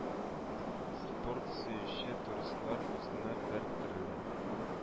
Спорт сөюче туристлар үзенә бер төрле